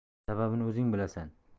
sababini o'zing bilasan